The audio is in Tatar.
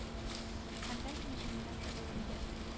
Һәм бәлкем җиңелрәк тә булыр иде